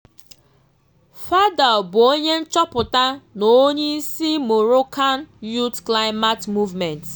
Fadoua bụ onye nchoputa na onye isi Moroccan Youth Climate Movement.